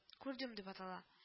Курдюм дип атала